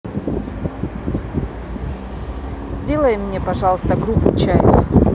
сделай мне пожалуйста группу чайф